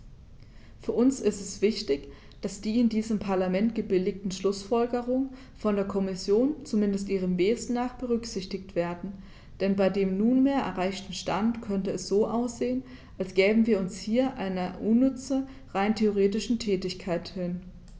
Für uns ist es wichtig, dass die in diesem Parlament gebilligten Schlußfolgerungen von der Kommission, zumindest ihrem Wesen nach, berücksichtigt werden, denn bei dem nunmehr erreichten Stand könnte es so aussehen, als gäben wir uns hier einer unnütze, rein rhetorischen Tätigkeit hin.